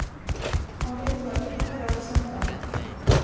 Ամեն բանի համար արձան կա։